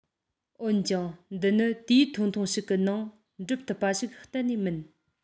འོན ཀྱང འདི ནི དུས ཡུན ཐུང ཐུང ཞིག གི ནང འགྲུབ ཐུབ པ ཞིག གཏན ནས མིན